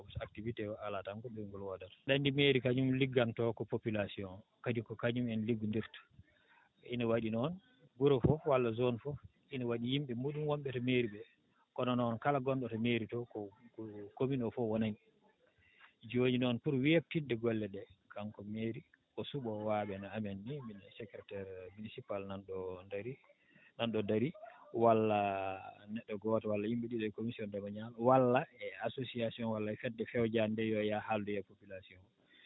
sabu so activité oo alaa tan ko ɗoygol wodata aɗa anndi mairie kañum liggantoo ko population oo kadi ko kañumen liggonndirta hina waɗi noon wuro fof walla zone fof hina waɗi yimɓe muɗum wonɓe to mairie ɓe kono noon kala gonɗo to mairie to ko ko commune oo fof wonani jooni noon pour weɓtinde golle ɗe kanko mairie o suɓoo waaɓe no amen nii miin e secrétaire municipale nan ɗoo ndarii nan ɗoo ndarii walla neɗɗo gooto walla yimɓe ɗiɗo e commission domonial walla e assocition walla e fedde fewjade nde yo yah haaldoya e population o